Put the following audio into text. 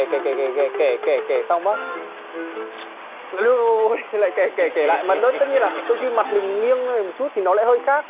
kẻ kẻ kẻ kẻ kẻ xong cái ôi ôi kẻ kẻ kẻ kẻ lại tất nhiên là đôi khi mặt mình nghiêng đi một chút thì nó lại hơi khác